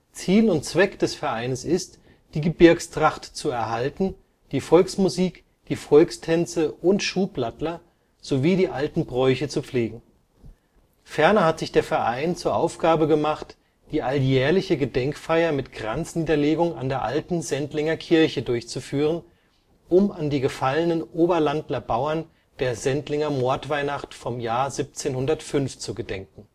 Ziel und Zweck des Vereines ist, die Gebirgstracht zu erhalten, die Volksmusik, die Volkstänze und Schuhplattler, sowie die alten Bräuche zu pflegen. Ferner hat sich der Verein zur Aufgabe gemacht, die alljährliche Gedenkfeier mit Kranzniederlegung an der alten Sendlinger Kirche durchzuführen, um an die gefallenen Oberlandler Bauern der Sendlinger Mordweihnacht vom Jahr 1705 zu gedenken